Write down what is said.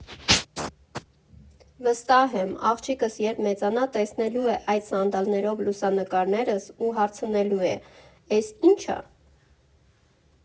Վստահ եմ, աղջիկս երբ մեծանա, տեսնելու է այդ սանդալներով լուսանկարներս ու հարցնելու է՝ «Էս ի՞նչ ա»։